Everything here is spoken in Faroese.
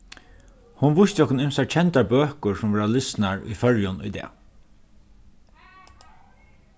hon vísti okkum ymsar kendar bøkur sum verða lisnar í føroyum í dag